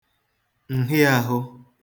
ǹhịaāhụ̄